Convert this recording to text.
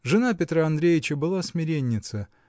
Жена Петра Андреича была смиренница